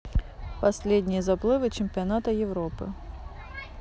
последние заплывы чемпионата европы